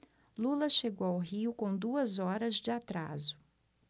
lula chegou ao rio com duas horas de atraso